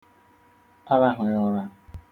arahūghịụra